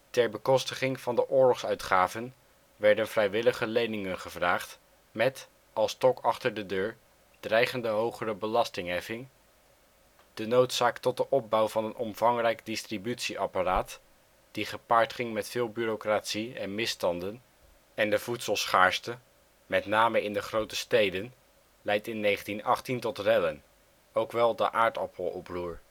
ter bekostiging van de oorlogsuitgaven werden vrijwillige leningen gevraagd, met als ' stok achter de deur ' dreigende hogere belastingheffing; de noodzaak tot de opbouw van een omvangrijk distributieapparaat, die gepaard ging met veel bureaucratie en misstanden; voedselschaarste, met name in de grote steden, leidt in 1918 tot rellen (aardappeloproer